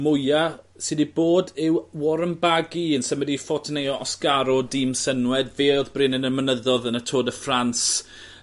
mwya sy 'di bod yw Warren Barguil yn symud i Foteneio Osgaro dîm Sunweb fe odd brenin y mynyddo'dd yn y Tour de France